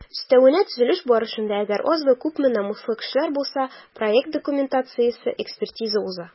Өстәвенә, төзелеш барышында - әгәр азмы-күпме намуслы кешеләр булса - проект документациясе экспертиза уза.